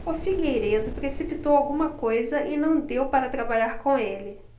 o figueiredo precipitou alguma coisa e não deu para trabalhar com ele